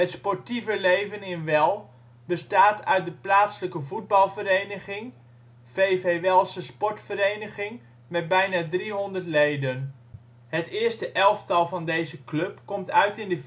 sportieve leven in Well bestaat uit de plaatselijke voetbalvereniging; v.v. Wellse Sport Vereniging met bijna 300 leden. Het eerste elftal van deze club komt uit in de